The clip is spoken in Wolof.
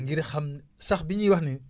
ngir xam sax bi ñuy wax nii